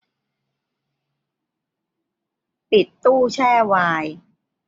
ปิดตู้แช่ไวน์